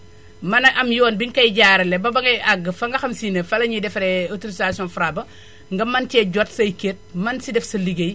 mën a am yoon bi nga kay jaaralee ba ba ngay àgg fa nga xam si ne fa la ñuy defaree autorisation Fra ba nga mën cee jot say kayit mën si def sa liggéey